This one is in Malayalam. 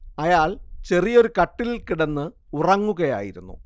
അയാൾ ചെറിയൊരു കട്ടിലിൽ കിടന്നു ഉറങ്ങുകയായിരുന്നു